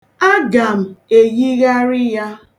Aga m eyigharị ya.